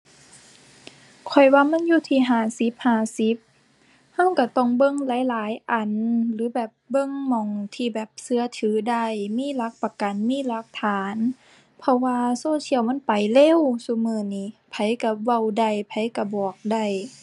ข้อยว่ามันอยู่ที่ห้าสิบห้าสิบ เราเราต้องเบิ่งหลายหลายอัน หรือแบบเบิ่งหม้องที่แบบเราถือได้ มีหลักประกัน มีหลักฐาน เพราะว่าโซเชียลมันไปเร็วซุมื้อนี้ ไผเราเว้าได้ ไผเราบอกได้